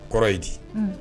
Kɔrɔ ye di